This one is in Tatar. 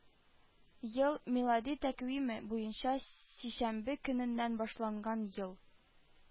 Ел – милади тәкъвиме буенча сишәмбе көненнән башланган ел